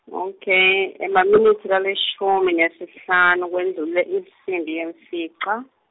ok, Emaminitsi lalishumi nesihlanu kwendlule insimbi yemfica.